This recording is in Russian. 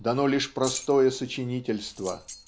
дано лишь простое сочинительство.